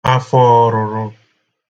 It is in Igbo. afọ ọrụ̄rụ̄